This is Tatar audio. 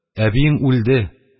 Әбиең үлде,